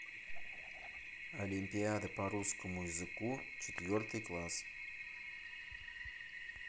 олимпиада по русскому языку четвертый класс